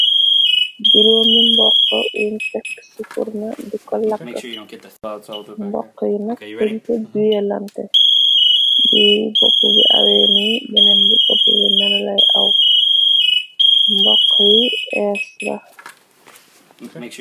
Juróomi mboxu yuñ tek ci furna di ko làkk, mboxu yi nak deñ ko juyelante, bi boppu bi awe nii beneen bi boppu bi nelelay aw mboxu yi ees la.